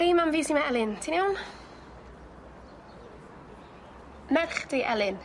Hei mam fi sy 'ma Elin, ti'n iawn? Merch di Elin.